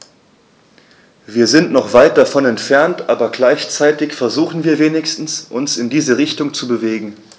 Wir sind noch weit davon entfernt, aber gleichzeitig versuchen wir wenigstens, uns in diese Richtung zu bewegen.